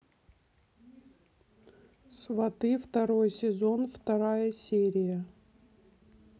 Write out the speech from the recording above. сваты второй сезон вторая серия